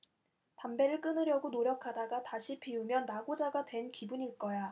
담배를 끊으려고 노력하다가 다시 피우면 낙오자가 된 기분일 거야